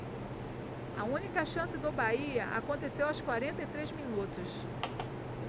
a única chance do bahia aconteceu aos quarenta e três minutos